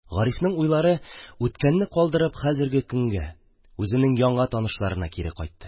Гарифның уйлары, үткәнне калдырып, хәзерге көнгә – үзенең яңа танышларына кире кайтты.